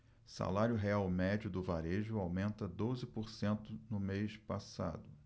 salário real médio do varejo aumenta doze por cento no mês passado